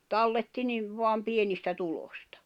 talletti niin vain pienistä tulosta